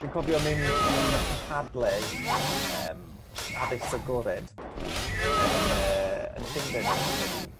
Dwi'n cofio mynd i cynhadledd yym addysg agored yn yy yn Llunden o'dd e dwi'n credu